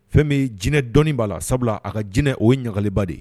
Fɛn bɛ jinɛinɛ dɔnnii b'a la sabula a ka jinɛinɛ o ye ɲagaliba de ye